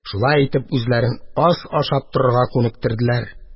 Шулай итеп, үзләрен аз ашап торырга күнектерделәр.